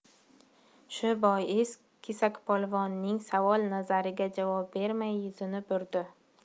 shu bois kesakpolvonning savol nazariga javob bermay yuzini burdi